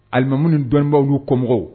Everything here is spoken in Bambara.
Alimamu dɔnnibaww'u kɔmɔgɔw